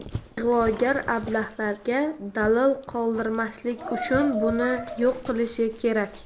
ig'vogar ablahlarga dalil qoldirmaslik uchun buni yo'q qilishi kerak